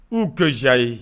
U ka za ye